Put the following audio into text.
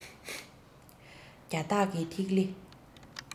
རྒྱ སྟག གི ཐིག ལེ